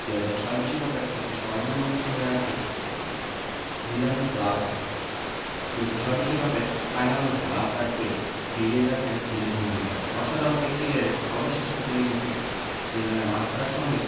২০০৬ বিশ্বকাপের সবচেয়ে স্মরণীয় মুহূর্ত হয়ে আছে এটি জিদানের লাল কার্ড ২০০৬ বিশ্বকাপের ফাইনাল ম্যাচে লাল কার্ড পেয়ে বেরিয়ে যাচ্ছেন জিনেদিন জিদান অসাধারণ এক ক্যারিয়ারের অবিশ্বাস্য পরিণতি জিদানের মাঠ ছাড়ার সঙ্গে